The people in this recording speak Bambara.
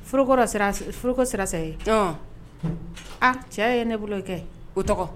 Ye a cɛ ye ne bolo kɛ o tɔgɔ